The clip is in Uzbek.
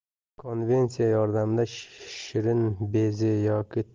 konveksiya yordamida shirin beze yoki